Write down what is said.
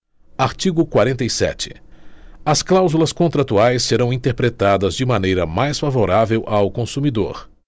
artigo quarenta e sete as cláusulas contratuais serão interpretadas de maneira mais favorável ao consumidor